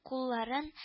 Кулларын